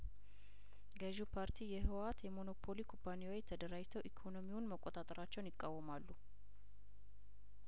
ገዢው ፓርቲ የህወሀት የሞኖፖሊ ኩባንያዎች ተደራጅተው ኢኮኖሚውን መቆጣጠራቸውን ይቃወማሉ